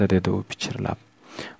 dedi u pichirlab